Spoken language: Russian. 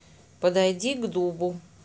подойти к дубу